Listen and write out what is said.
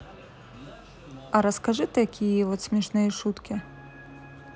а расскажи такие вот смешные шутки